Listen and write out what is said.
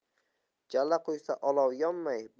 jala quysa olov yonmay